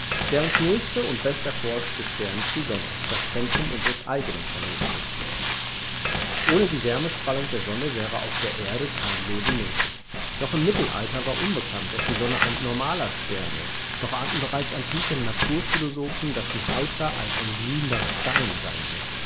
Der uns nächste und besterforschte Stern ist die Sonne, das Zentrum unseres Planetensystems. Ohne die Wärmestrahlung der Sonne wäre auf der Erde kein Leben möglich. Noch im Mittelalter war unbekannt, dass die Sonne ein „ normaler Stern “ist, doch ahnten bereits antike Naturphilosophen, dass sie heißer als ein glühender Stein sein müsse